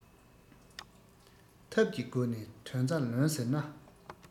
ཐབས ཀྱི སྒོ ནས དོན རྩ ལོན ཟེར ན